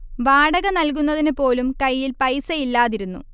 വാടക നൽകുന്നതിന് പോലും കൈയിൽ പൈസയില്ലാതിരുന്നു